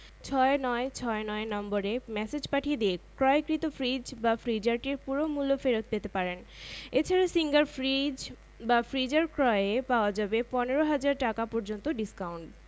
সূর্য তার গরম তাপ ছড়ায় পথিক সঙ্গে সঙ্গে তার গায়ের চাদর খুলে ফেলে অবশেষে উত্তর হাওয়া মেনে নিতে বাধ্য হয় যে তাদের দুজনের মধ্যে সূর্যই বেশি শক্তিমান সংগৃহীত ফনেটিক জার্নালে ব্যবহিত গল্প থেকে নেওয়া